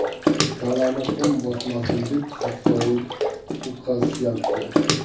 dalani qum bosmasin deb saksovul o'tkazishyapti